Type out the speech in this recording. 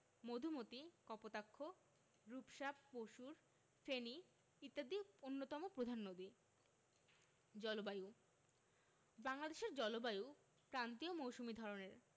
মধুমতি কপোতাক্ষ রূপসা পসুর ফেনী ইত্যাদি অন্যতম প্রধান নদী জলবায়ুঃ বাংলাদেশের জলবায়ু ক্রান্তীয় মৌসুমি ধরনের